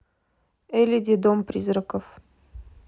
элиди дом призраков